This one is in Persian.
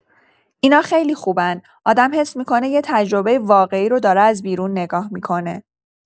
اینا خیلی خوبن، آدم حس می‌کنه یه تجربه واقعی رو داره از بیرون نگاه می‌کنه.